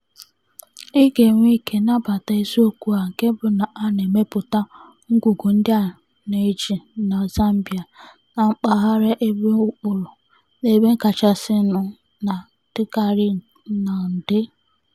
Ị ga-enwe ike nabata eziokwu a nke bụ na a na-emepụta ngwugwu ndị a na-eji na Zambia na mpaghara ebe ụkpụrụ, n'ebe kachasịnụ, na-adịkarị na nde.